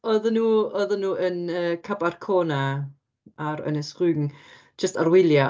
Oedden nhw oedden nhw yn yy Cap Arkona ar Ynys Rügen jyst ar wyliau.